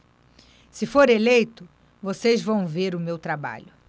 se for eleito vocês vão ver o meu trabalho